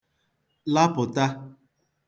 lapụ̀ta